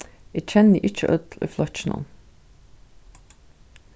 eg kenni ikki øll í flokkinum